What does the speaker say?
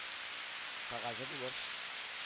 Кәгазе булыр